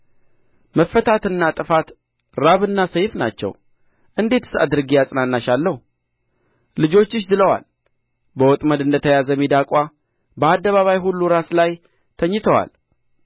መፈታትና ጥፋት ራብና ሰይፍ ናቸው እንዴትስ አድርጌ አጽናናሻለሁ ልጆችሽ ዝለዋል በወጥመድ እንደተያዘ ሚዳቋ በአደባባይ ሁሉ ራስ ላይ ተኝተዋል